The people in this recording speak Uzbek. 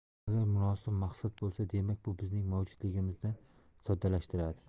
agar munosib maqsad bo'lsa demak bu bizning mavjudligimizni soddalashtiradi